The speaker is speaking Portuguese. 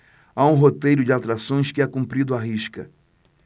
há um roteiro de atrações que é cumprido à risca